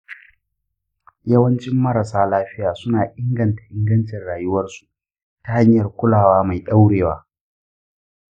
yawancin marasa lafiya suna inganta ingancin rayuwarsu ta hanyar kulawa mai dorewa.